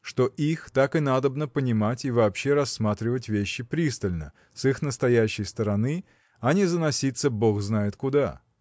что их так и надобно понимать и вообще рассматривать вещи пристально с их настоящей стороны а не заноситься бог знает куда.